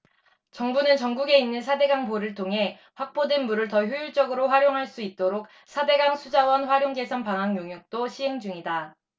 정부는 전국에 있는 사 대 강 보를 통해 확보된 물을 더 효율적으로 활용할 수 있도록 사 대 강 수자원 활용 개선 방안 용역도 시행 중이다